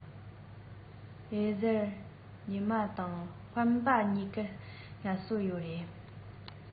རེས གཟའ ཉི མར དང སྤེན པ གཉིས ཀར སལ གསོ ཡོད རེད